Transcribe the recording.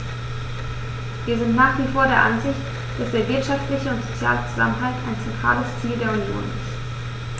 Wir sind nach wie vor der Ansicht, dass der wirtschaftliche und soziale Zusammenhalt ein zentrales Ziel der Union ist.